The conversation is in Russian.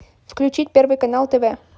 включить первый канал тв